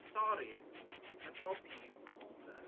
Sori, mae job hi yw model.